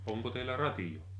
onko teillä radio